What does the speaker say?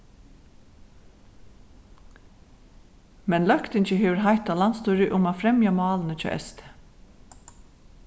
men løgtingið hevur heitt á landsstýrið um at fremja málini hjá st